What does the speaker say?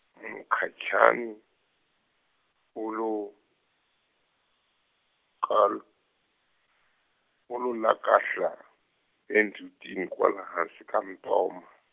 Mukhacani u lo kahl-, u lo lakahla, endzhutini kwala hansi ka ntoma.